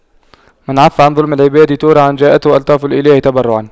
من عَفَّ عن ظلم العباد تورعا جاءته ألطاف الإله تبرعا